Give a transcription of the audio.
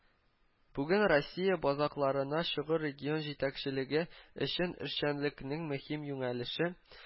Бүген россия базакларына чыгу регион җитәкчелеге өчен эшчәнлекнең мөһим юнәлеше